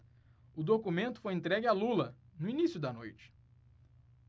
o documento foi entregue a lula no início da noite